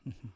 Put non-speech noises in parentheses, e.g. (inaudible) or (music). (hesitation) (hesitation)